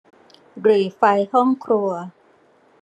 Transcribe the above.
หรี่ไฟห้องครัว